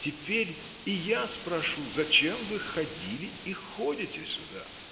Теперь и я спрошу: зачем вы ходили и ходите сюда?